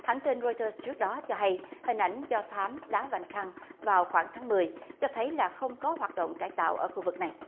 hãng tin roi tơ trước đó cho hay hình ảnh do thám đá vành khăn vào khoảng tháng mười cho thấy là không có hoạt động cải tạo ở khu vực này